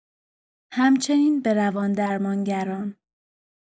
همچنین به روان‌درمانگران